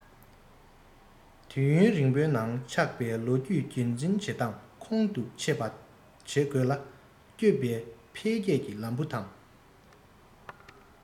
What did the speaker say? དུས ཡུན རིང པོའི ནང ཆགས པའི ལོ རྒྱུས རྒྱུན འཛིན བྱེད སྟངས ཁོང དུ ཆུད པ བྱེད དགོས ལ བསྐྱོད པའི འཕེལ རྒྱས ཀྱི ལམ བུ དང